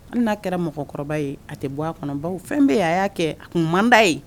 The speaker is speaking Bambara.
An n'a kɛra mɔgɔkɔrɔba ye a tɛ bɔ kɔnɔ baw fɛn bɛ a y'a kɛ a kun manda ye